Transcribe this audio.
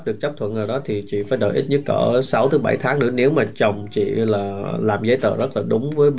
được chấp thuận đó thì chị phải đợi ít nhất ở sáu thứ bảy tháng nữa nếu mà chồng chị là làm giấy tờ rất thật đúng với